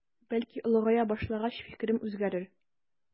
Бәлки олыгая башлагач фикерем үзгәрер.